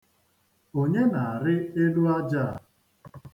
Onye na-arị elu aja a?